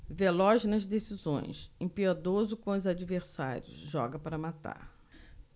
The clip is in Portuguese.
veloz nas decisões impiedoso com os adversários joga para matar